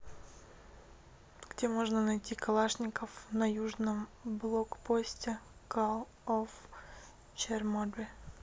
где можно найти калашников на южном блокпосте call of chernobyl